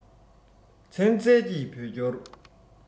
ཚན རྩལ གྱི བོད སྐྱོར